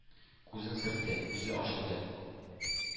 Күзен сөртте — күзе ачылды: